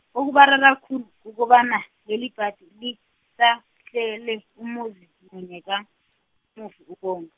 okubarara khulu, kukobana, lelibhadi lisahlele umuzi munye kamufi uBong-.